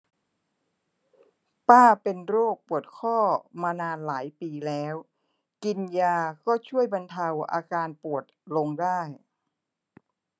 ป้าเป็นโรคปวดข้อมานานหลายปีแล้วกินยาก็ช่วยบรรเทาอาการปวดลงได้